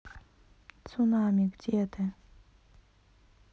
цунами где ты